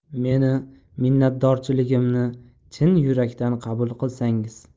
meni minnatdorchiligimni chin yurakdan qabul qilsangiz